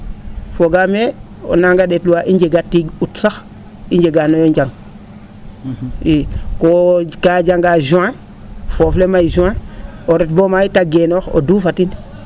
fogaam mee o nanag ndeetluwaa i njega tiig Aout sax i njeganooyo njang i koo kaa janga juin foof le may juin o ret boma yit a genoox o duufatin